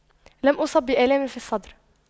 لم أصب بآلام في الصدر